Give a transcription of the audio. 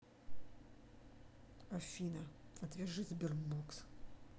афина отвяжи sberbox